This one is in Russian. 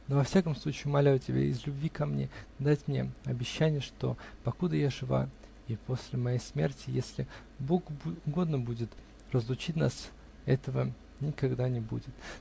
но во всяком случае умоляю тебя, из любви ко мне, дать мне обещание, что, покуда я жива и после моей смерти, если Богу угодно будет разлучить нас, этого никогда не будет.